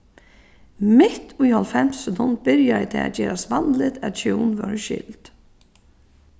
mitt í hálvfemsunum byrjaði tað at gerast vanligt at hjún vórðu skild